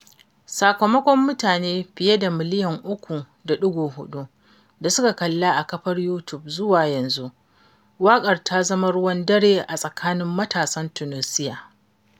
Sakamakon mutane fiye da miliyan 3.4 da suka kalla a kafar YouTube zuwa yanzu, waƙar ta zama ruwan dare a tsakanin matasan Tunusia.